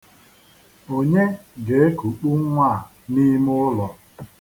Onye ga-ekukpu nnwa a n'ime ulo?